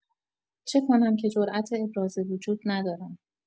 چه کنم که جرات ابراز وجود ندارم.